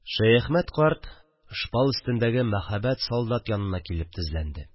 Шәяхмәт карт шпал өстендәге мәһәбәт солдат янына килеп тезләнде